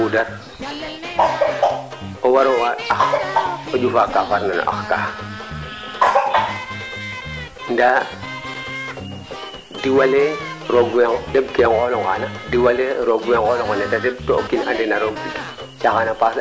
ga teen kaa ando naye roog moƴu a jal tange naaga sotikee to o moof bo o ketanof a leyoonge o qola im re'anga wo de im fi tin nene fi tin naana parce que ax de in way leyan mene xaye \